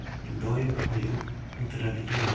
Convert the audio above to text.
doim oyim o'tiradigan